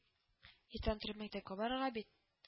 Иртән торып мәктәпкә барырга бит